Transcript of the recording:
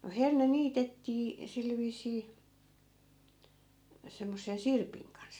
no herne niitettiin sillä viisiin semmoisen sirpin kanssa